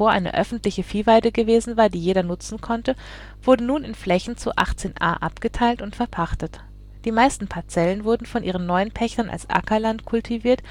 eine öffentliche Viehweide gewesen war, die jeder nutzen konnte, wurde nun in Flächen zu 18 Ar abgeteilt und verpachtet. Die meisten Parzellen wurden von ihren neuen Pächtern als Ackerland kultiviert